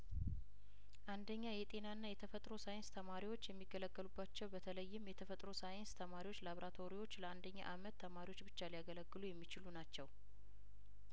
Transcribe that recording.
አንደኛ የጤናና የተፈጥሮ ሳይንስ ተማሪዎች የሚገለገሉባቸው በተለይም የተፈጥሮ ሳይንስ ተማሪዎች ላቦራቶሪዎች ለአንደኛ አመት ተማሪዎች ብቻ ሊያገለግሉ የሚችሉ ናቸው